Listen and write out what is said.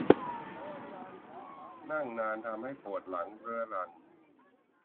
นั่งนานทำให้ปวดหลังเรื้อรัง